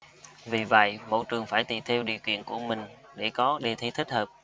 vì vậy mỗi trường phải tùy theo điều kiện của mình để có đề thi thích hợp